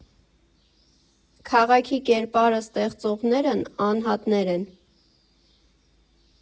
Քաղաքի կերպարը ստեղծողներն անհատներն են։